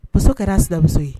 Muso kɛra a sinamuso ye.